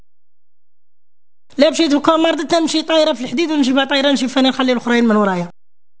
ليش تمشي طائره في الحديده الجمعه طيران شوفني يخليهم